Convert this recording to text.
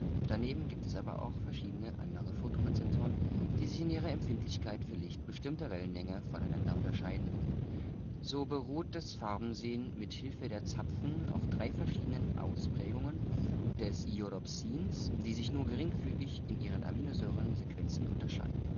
Daneben gibt es aber auch verschiedene andere Photorezeptoren, die sich in ihrer Empfindlichkeit für Licht bestimmter Wellenlängen voneinander unterscheiden. So beruht das Farbensehen mit Hilfe der Zapfen auf drei verschiedenen Ausprägungen des Iodopsins, die sich nur geringfügig in ihren Aminosäuresequenzen unterscheiden